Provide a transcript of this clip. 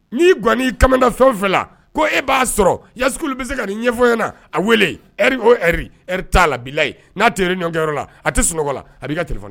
N'i gan kada fɛn o fɛ la ko e b'a sɔrɔ ya bɛ se ka ɲɛfɔy a weele t'a la n'a ɲɔgɔnyɔrɔ a tɛ sunɔgɔ a' ka